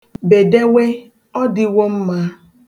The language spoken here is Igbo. Bedewe, ọ dịwo mma.